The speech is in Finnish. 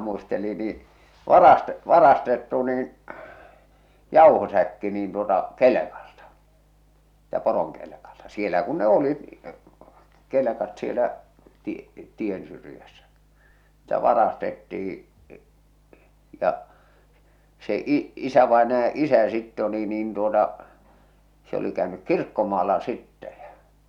muisteli niin - varastettu niin jauhosäkki niin tuota kelkalta siitä poronkelkalta siellä kun ne olivat kelkat siellä - tiensyrjässä siltä varastettiin ja se - isävainajan isä sitten oli niin tuota se oli käynyt kirkkomaalla sitten ja